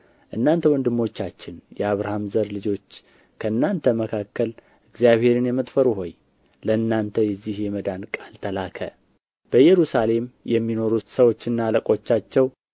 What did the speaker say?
እናንተ ወንድሞቻችን የአብርሃም ዘር ልጆች ከእናንተ መካከልም እግዚአብሔርን የምትፈሩ ሆይ ለእናንተ የዚህ የመዳን ቃል ተላከ በኢየሩሳሌም የሚኖሩ ሰዎችና አለቆቻቸው